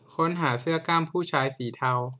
ค้นหาเสื้อกล้ามผู้ชายสีเทา